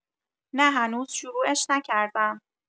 نه هنوز شروعش نکردم